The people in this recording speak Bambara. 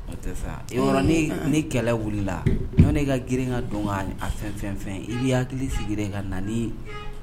Yɔrɔ ne kɛlɛ wulila la ka grin ka don fɛn fɛn fɛn i b' hakili sigin ka nan ye